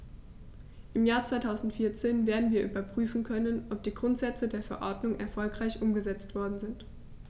Im Jahr 2014 werden wir überprüfen können, ob die Grundsätze der Verordnung erfolgreich umgesetzt worden sind.